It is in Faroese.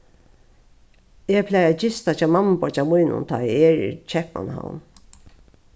eg plagi at gista hjá mammubeiggja mínum tá ið eg eri í keypmannahavn